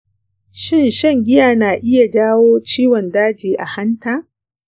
shin shan giya na iya jawo ciwon daji a hanta?